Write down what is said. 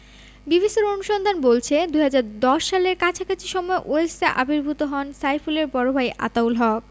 বিবিসির অনুসন্ধান বলছে ২০১০ সালের কাছাকাছি সময়ে ওয়েলসে আবির্ভূত হন সাইফুলের বড় ভাই আতাউল হক